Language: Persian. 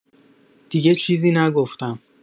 دیگه چیزی نگفتم.